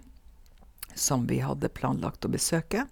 Som vi hadde planlagt å besøke.